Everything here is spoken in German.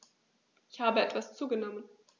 Ich habe etwas zugenommen